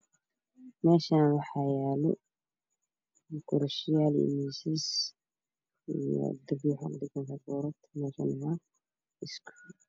Mishaan waxaa yala kuraas iyo miisas darpiga waxaa ku dhang calar meshaan a waa iskuul